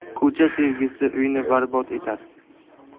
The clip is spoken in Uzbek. ko'cha sevgisi uyni barbod etar